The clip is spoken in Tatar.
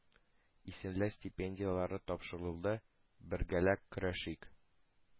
Исемле стипендияләре тапшырылды. бергәләп көрәшик!